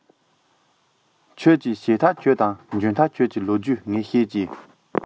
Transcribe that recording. ཁྱོད ཀྱིས བྱས ཐག ཆོད དང འཇོན ཐག ཆོད ཀྱི ལོ རྒྱུས ངས བཤད ཀྱིས